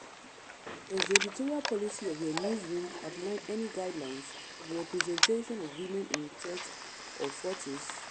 Does the editorial policy of your newsroom outline any guidelines for the representation of women in text or photos?